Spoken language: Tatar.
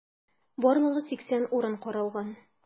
Барлыгы 80 урын каралган.